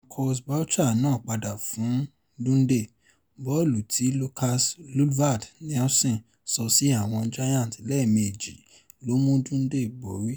Francois Bouchard náà padà fún Dundee. Bọ́ọlù tí Lukas Lundvald Nielsen sọ sí àwọ̀n Giants lẹ́ẹ̀mejì ló mu Dundee borí.